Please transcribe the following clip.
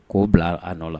K ko bila a nɔ